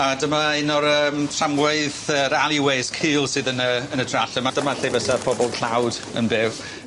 A dyma un o'r yym tramwaith yr alleyways cul sydd yn y yn y Trallwng ma' dyma lle fysa pobol tlawd yn byw.